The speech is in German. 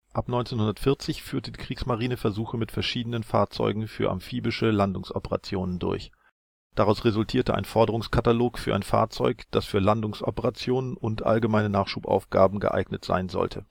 Ab 1940 führte die Kriegsmarine Versuche mit verschiedenen Fahrzeugen für amphibische Landungsoperationen durch. Daraus resultierte ein Forderungskatalog für ein Fahrzeug, das für Landungsoperationen und allgemeine Nachschubaufgaben geeignet sein sollte